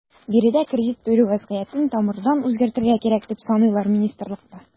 Биредә кредит бирү вәзгыятен тамырдан үзгәртергә кирәк, дип саныйлар министрлыкта.